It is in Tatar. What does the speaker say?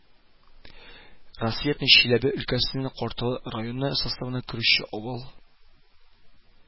Рассветный Чиләбе өлкәсенең Карталы районы составына керүче авыл